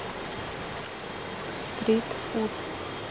стрит фуд